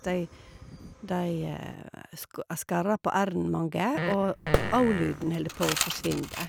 de De ska skarrer på r-en, mange, og ao-lyden holder på å forsvinne.